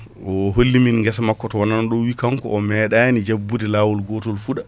o hollimin guessa makko o wi kanko o meɗani jabbude lawol gotol fuuɗa